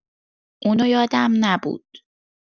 اونو یادم نبود